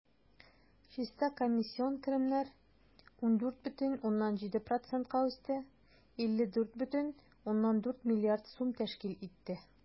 Чиста комиссион керемнәр 14,7 %-ка үсте, 55,4 млрд сум тәшкил итте.